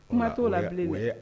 Kuma t'o la bilen dɛ